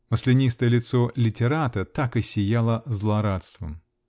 Маслянистое лицо "литтерата" так и сияло злорадством.